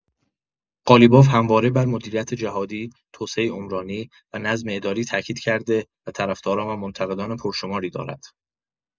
قالیباف همواره بر مدیریت جهادی، توسعه عمرانی و نظم اداری تأکید کرده و طرفداران و منتقدان پرشماری دارد.